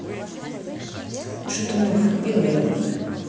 шатунов белые розы